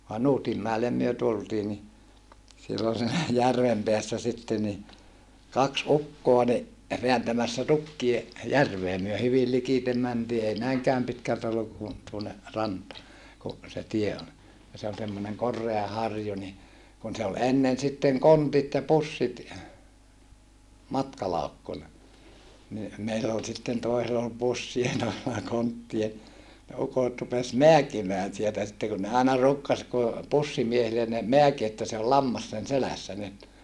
vai Nuutinmäelle me tultiin niin silloin siinä järven päässä sitten niin kaksi ukkoa niin vääntämässä tukkia järveen me hyvin likitse mentiin ei näinkään pitkältä ollut kuin tuonne rantaan kun se tie on ja se on semmoinen korea harju niin kun se oli ennen sitten kontit ja pussit matkalaukkuna niin meillä oli sitten toisella oli pussia toisella konttia ne ukot rupesi määkimään sieltä sitten kun ne aina ruukasi kun pussimiehille ne määki että se oli lammas sen selässä nyt